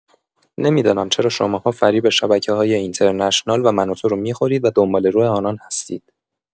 نمی‌دانم چرا شماها فریب شبکه‌های اینترنشنال و منوتو رو می‌خورید و دنباله‌رو آنان هستید!